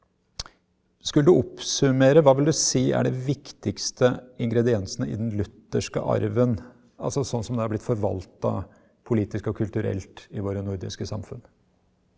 skulle du oppsummere hva vil du si er det viktigste ingrediensene i den lutherske arven altså sånn som det har blitt forvalta politisk og kulturelt i våre nordiske samfunn.